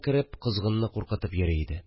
Кереп козгынны куркытып йөри иде